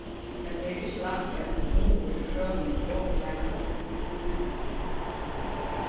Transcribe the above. men tað er ikki lætt í eini kommunu við krøvum um opinleika og eftirlit